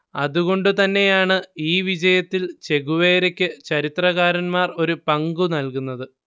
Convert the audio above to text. അതുകൊണ്ടുതന്നെയാണ് ഈ വിജയത്തിൽ ചെഗുവേരയ്ക്ക് ചരിത്രകാരന്മാർ ഒരു പങ്ക് നല്കുന്നത്